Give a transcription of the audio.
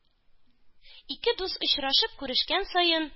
Ике дус, очрашап-күрешкән саен,